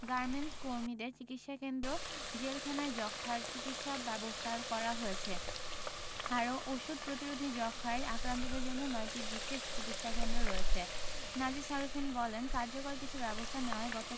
গার্মেন্টকর্মীদের চিকিৎসাকেন্দ্র জেলখানায় যক্ষ্মার চিকিৎসা ব্যবস্থা করা হয়েছে আর ওষুধ প্রতিরোধী যক্ষ্মায় আক্রান্তদের জন্য ৯টি বিশেষ চিকিৎসাকেন্দ্র রয়েছে নাজিস আরেফিন বলেন কার্যকর কিছু ব্যবস্থা নেয়ায় গত